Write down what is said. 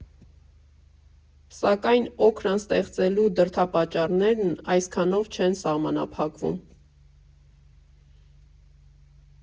Սակայն «Օքրան» ստեղծելու դրդապատճառներն այսքանով չեն սահմանափակվում։